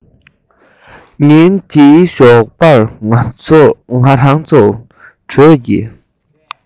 ཉིན དེའི ཞོགས པར ང རང ཚ དྲོད ཀྱིས